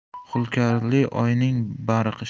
hulkarli oyning bari qish